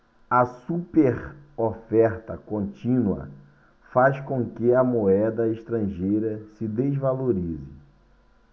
a superoferta contínua faz com que a moeda estrangeira se desvalorize